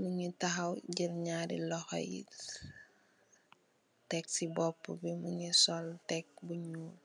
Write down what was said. muge tahaw jel nyari lohou ye tek se bopube muge sol tekk bu nuul.